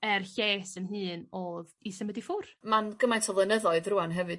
er lles 'yn hun odd i symud i ffwrdd. Ma'n gymaint o flynyddoedd rŵan hefyd